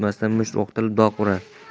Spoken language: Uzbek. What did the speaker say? oy o'tmasdan musht o'qtalib do'q urar